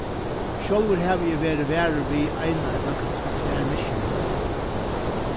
sjálvur havi eg verið varur við eina ella kanska tvær misskiljingar